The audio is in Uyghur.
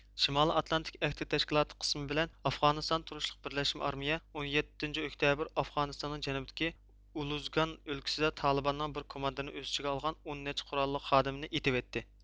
شىمالي ئاتلانتىك ئەھدى تەشكىلاتى قىسمى بىلەن ئافغانىستاندا تۇرۇشلۇق بىرلەشمە ئارمىيە ئون يەتتىنچى ئۆكتەبىر ئافغانىستاننىڭ جەنۇبىدىكى ئۇلۇزگان ئۆلكىسىدە تالىباننىڭ بىر كوماندىرنى ئۆز ئىچىگە ئالغان ئون نەچچە قۇراللىق خادىمىنى ئېتىۋەتتى